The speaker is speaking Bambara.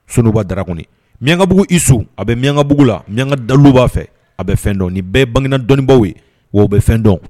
Sunba darak miyanbuguuguissu a bɛ miyankabugu la miyanka dalu b'a fɛ a bɛ fɛn dɔn ni bɛɛ bangegan dɔnniinbaw ye wa bɛ fɛn dɔn